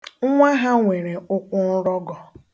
Nwa ha nwere ụkwụnrọgọ